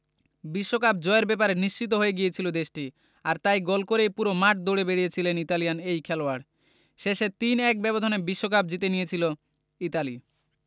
বিশ্বকাপ জয়ের ব্যাপারে নিশ্চিত হয়ে গিয়েছিল দেশটি আর তাই গোল করেই পুরো মাঠ দৌড়ে বেড়িয়েছিলেন ইতালিয়ান এই খেলোয়াড় শেষে ৩ ১ ব্যবধানে বিশ্বকাপ জিতে নিয়েছিল ইতালি